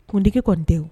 Kundigi kɔni tɛ o